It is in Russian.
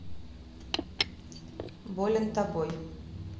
болен тобой